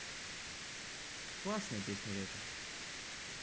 классная песня лето